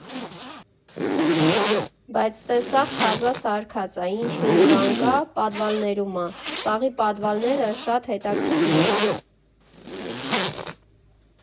Բայց ստե սաղ թազա սարքած ա, ինչ հին բան կա՝ պադվալներում ա, սաղի պադվալները շատ հետաքրքիր են»։